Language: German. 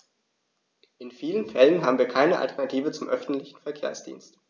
In vielen Fällen haben wir keine Alternative zum öffentlichen Verkehrsdienst.